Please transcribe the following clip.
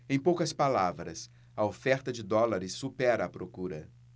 em poucas palavras a oferta de dólares supera a procura